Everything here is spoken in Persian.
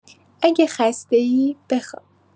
اگه خسته‌ای، بخواب